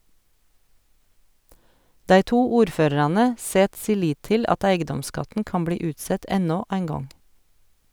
Dei to ordførarane set si lit til at eigedomsskatten kan bli utsett enno ein gong.